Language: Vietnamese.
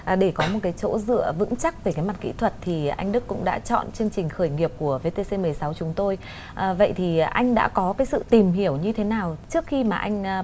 để có một cái chỗ dựa vững chắc về mặt kỹ thuật thì anh đức cũng đã chọn chương trình khởi nghiệp của vtc mười sáu chúng tôi à vậy thì anh đã có sự tìm hiểu như thế nào trước khi mà anh